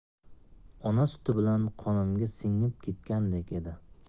ona suti bilan qonimga singib ketgandek edi